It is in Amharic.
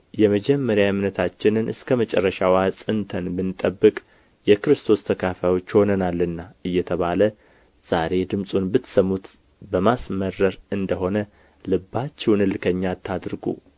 የመጀመሪያ እምነታችንን እስከ መጨረሻው አጽንተን ብንጠብቅ የክርስቶስ ተካፋዮች ሆነናልና እየተባለ ዛሬ ድምጹን ብትሰሙት በማስመረር እንደሆነ ልባችሁን እልከኛ አታድርጉ